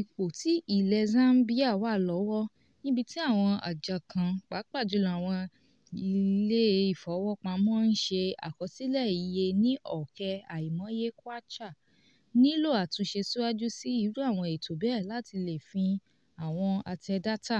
Ipò tí ilẹ̀ Zambia wà lọ́wọ́, níbi tí àwọn àjọ kan, pàápàá jùlọ àwọn ilé ìfowópamọ́ ń ṣe àkọsílẹ̀ iye ní ọ̀kẹ́ àìmọye Kwacha, nílò àtúnṣe síwájú sí irú àwọn ètò bẹ́ẹ̀ láti lè fẹ àwọn àtẹ dátà,